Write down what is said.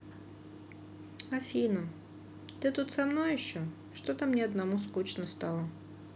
афина ты тут со мной еще что то мне одному скучно стало